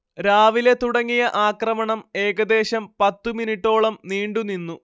രാവിലെ തുടങ്ങിയ ആക്രമണം ഏകദേശം പത്തുമിനിട്ടോളം നീണ്ടു നിന്നു